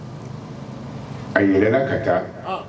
A yɛlɛla ka taa